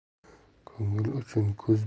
ko'ngil uchun ko'z